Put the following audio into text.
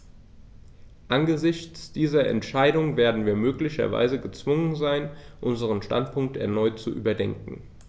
Angesichts dieser Entscheidung werden wir möglicherweise gezwungen sein, unseren Standpunkt erneut zu überdenken.